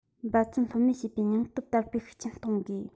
༄༅ འབད བརྩོན ལྷོད མེད བྱེད པའི སྙིང སྟོབས དར སྤེལ ཤུགས ཆེན གཏོང དགོས